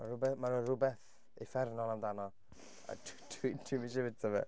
Ma' 'na rywbe- ma' 'na rywbeth uffernol amdano a dwi dwi dwi'm isie byta fe.